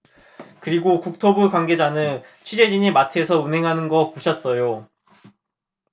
그리고 국토부 관계자는 취재진에 마트에서 운행하는 거 보셨어요